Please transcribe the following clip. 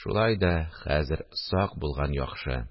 Шулай да хәзер сак булган яхшы